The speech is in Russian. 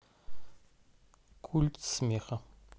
культ смеха